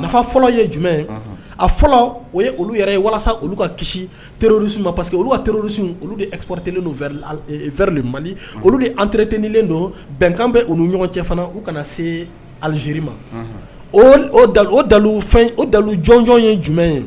Nafa fɔlɔ ye jumɛn a fɔlɔ o ye olu yɛrɛ ye walasa olu ka kisiro ma pa que karopte mali olu an teriretetinilen don bɛnkan bɛ olu ɲɔgɔn cɛ fana u kana se aliziri malu dalu jɔnjɔn ye jumɛn